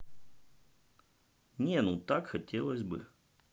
не ну так хотелось бы